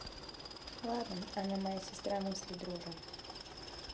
ладно она моя сестра мыслей дружим